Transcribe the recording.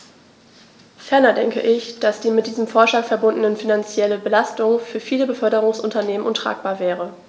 Ferner denke ich, dass die mit diesem Vorschlag verbundene finanzielle Belastung für viele Beförderungsunternehmen untragbar wäre.